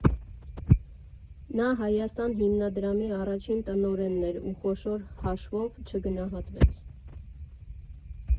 Նա «Հայաստան» հիմնադրամի առաջին տնօրենն էր ու խոշոր հաշվով չգնահատվեց։